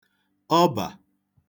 ọbà